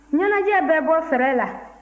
ɲɛnajɛ bɛ bɔ fɛrɛ la